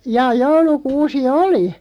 jaa joulukuusi oli